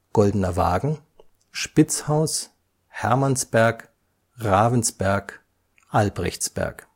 Goldener Wagen Spitzhaus Hermannsberg Ravensberg Albrechtsberg